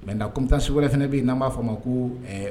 Mɛ kɔmitan su wɛrɛ fana bɛ yen n'an b'a fɔ a ma ko ɛɛ